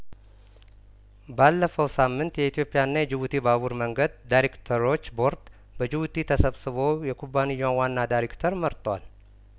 ባለፈው ሳምንት የኢትዮጵያና የጂቡቲ የባቡር መንገድ ዳይሬ ክተሮች ቦርድ በጂቡቲ ተሰባስቦ የኩባንያውን ዋና ዳይሬክተር መርጧል